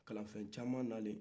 kalanfɛn caa nana